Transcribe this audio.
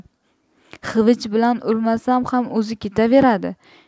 xivich bilan urmasam ham o'zi ketaveradi